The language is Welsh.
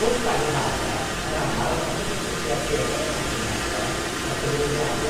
W'th blannu hade, yn amal, os edrychwch chi ar gefen y pacyn hade, ma' cyfarwyddiade